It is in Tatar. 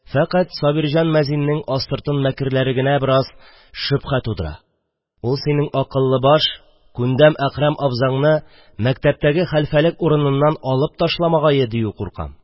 Фәкать Сабирҗан мәзиннең астыртын мәкерләре генә бераз шөбһә тудыра: ул синең акыллы баш, күндәм Әкрәм абзаңны мәктәптәге хәлфәлек урыныннан алып ташламагае дию куркам.